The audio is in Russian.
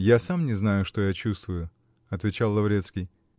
-- Я сам не знаю, что я чувствую, -- отвечал Лаврецкий.